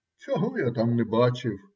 - Чого я там не бачив?